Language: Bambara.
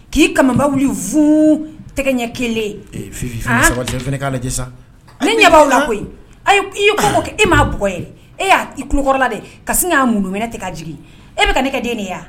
K'i ka wili fu tɛgɛ ɲɛ kelen ɲɛ' la i e m'ɔgɔ e y'a ikɔrɔla de kasi n y'a munum minɛ k ka jigin e bɛka ka ne kɛ den de wa